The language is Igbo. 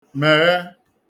mèghe